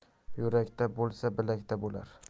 yurakda bo'lsa bilakda bo'lar